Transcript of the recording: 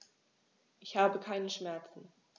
Ich habe keine Schmerzen.